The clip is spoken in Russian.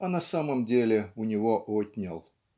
а на самом деле у него отнял.